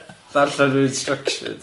Ddarllen yr instructions.